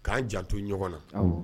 K'an jato ɲɔgɔn na